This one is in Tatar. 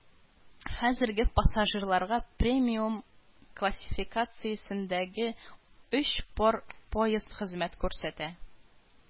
Хәзергә пассажирларга премиум классификациясендәге өч пар поезд хезмәт күрсәтә